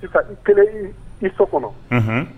Sisan i kɛlɛ i so kɔnɔ